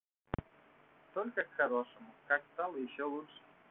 только к хорошему как стало еще лучше